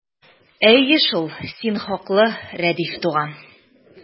Әйе шул, син хаклы, Рәдиф туган!